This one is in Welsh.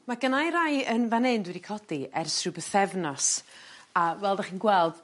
Ma' gynnai rai yn fan 'yn dwi 'di codi ers rhyw bythefnos a fel 'dach chi'n gweld